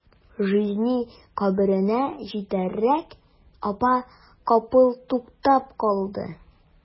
Җизни каберенә җитәрәк, апа капыл туктап калды.